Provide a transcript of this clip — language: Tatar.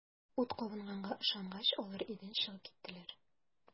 Ут кабынганга ышангач, алар өйдән чыгып киттеләр.